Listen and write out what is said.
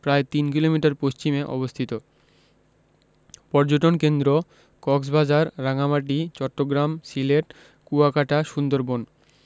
প্রায় তিন কিলোমিটার পশ্চিমে অবস্থিত পর্যটন কেন্দ্রঃ কক্সবাজার রাঙ্গামাটি চট্টগ্রাম সিলেট কুয়াকাটা সুন্দরবন